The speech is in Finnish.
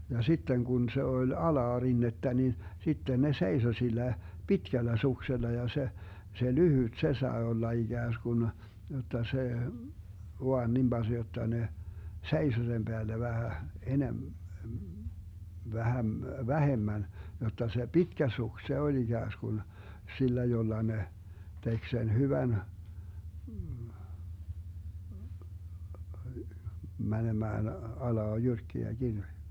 ja sitten kun se oli alarinnettä niin sitten ne seisoi sillä pitkällä suksella ja se se lyhyt se sai olla ikään kuin jotta se vain niin passi jotta ne seisoi sen päällä vähän -- vähemmän jotta se pitkä suksi se oli ikään kuin sillä jolla ne teki sen hyvän menemään alas jyrkkiä mäkiä